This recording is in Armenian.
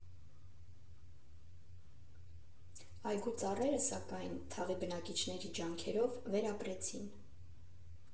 Այգու ծառերը, սակայն, թաղի բնակիչների ջանքերով, վերապրեցին։